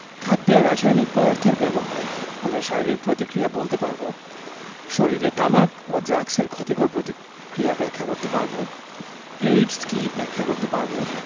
খাদ্যে রাসায়নিক পদার্থের ব্যবহার এবং এর শারীরিক প্রতিক্রিয়া বলতে পারব শরীরে তামাক ও ড্রাগসের ক্ষতিকর প্রতিক্রিয়া ব্যাখ্যা করতে পারব এইডস কী ব্যাখ্যা করতে পারব